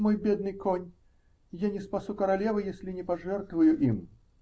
Мой бедный конь, я не спасу королевы, если не пожертвую им.